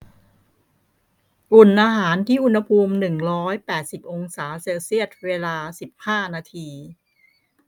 อุ่นอาหารที่อุณหภูมิหนึ่งร้อยแปดสิบองศาเซลเซียสเวลาสิบห้านาที